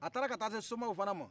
a taara ka taa se somaw fana ma